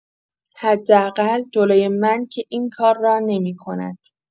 حداقل جلوی من که این کار را نمی‌کند.